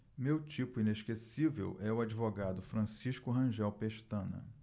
meu tipo inesquecível é o advogado francisco rangel pestana